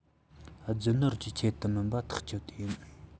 རྒྱུ ནོར གྱི ཆེད དུ མིན པ ཐག གཅོད དེ ཡིན